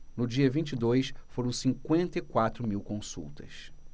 no dia vinte e dois foram cinquenta e quatro mil consultas